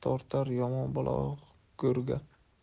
tortar yomon bola go'rga